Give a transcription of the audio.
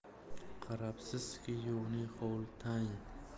qarabsizki yovning holi tang